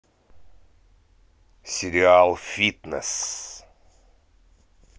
сериал фитнес